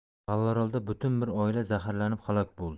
g'allaorolda butun bir oila zaharlanib halok bo'ldi